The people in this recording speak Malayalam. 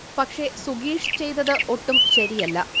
പക്ഷേ സുഗീഷ് ചെയ്തത് ഒട്ടും ശരിയല്ല